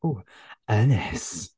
w, Ynys...